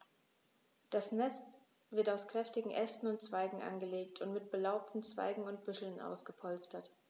Das Nest wird aus kräftigen Ästen und Zweigen angelegt und mit belaubten Zweigen und Büscheln ausgepolstert.